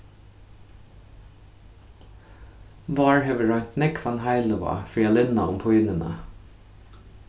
vár hevur roynt nógvan heilivág fyri at linna um pínuna